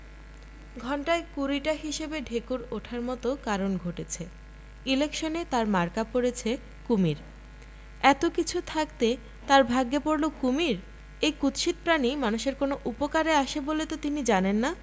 ঘণ্টায় কুড়িটা হিসেবে ঢেকুর ওঠার মত কারণ ঘটেছে ইলেকশনে তাঁর মার্কা পড়েছে কুমীর এত কিছু থাকতে তাঁর ভাগ্যে পড়ল কুমীর এই কুৎসিত প্রাণী মানুষের কোন উপকারে আসে বলে তো তিনি জানেন না